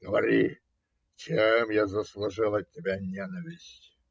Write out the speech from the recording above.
Говори, чем я заслужил от тебя ненависть?